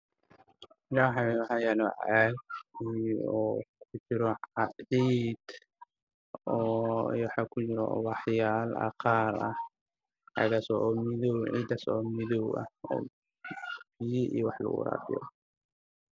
Meeshaan waa meel beer ah waxaa ka baxay geedo farabadan waxa ay ku jiraan weerar ka waana cagaarkeeda ah